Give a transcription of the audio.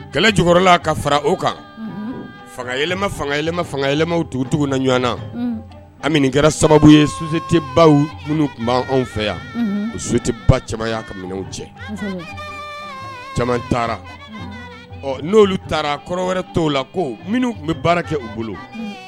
Kɛlɛ jkɔrɔla ka fara u kan fanga fangaɛlɛ fangaɛlɛ dugutigiw na ɲɔgɔn na a kɛra sababu ye su tɛba minnu tun b' anw fɛ yan su tɛba camanya ka minɛnw cɛ caman taara ɔ n'olu taara kɔrɔ wɛrɛ tɔw la ko minnu tun bɛ baara kɛ u bolo